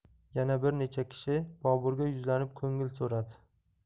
yana bir necha kishi boburga yuzlanib ko'ngil so'radi